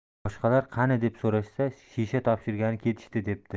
boshqalar qani deb so'rashsa shisha topshirgani ketishdi debdi